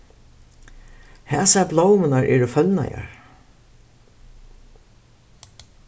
hasar blómurnar eru følnaðar